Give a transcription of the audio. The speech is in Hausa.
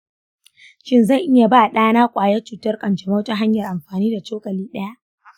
shin zan iya ba ɗana kwayar cutar kanjamau ta hanyar amfani da cokali ɗaya?